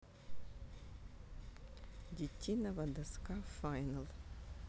детинова доска final